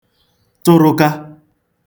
tụrụka